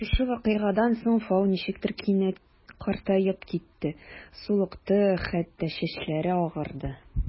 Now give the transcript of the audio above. Шушы вакыйгадан соң Фау ничектер кинәт картаеп китте: сулыкты, хәтта чәчләре агарды.